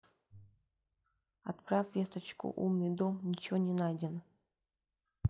отправь весточку умный дом ничего не найдено